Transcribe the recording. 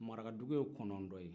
marakadugu ye kɔnɔntɔn ye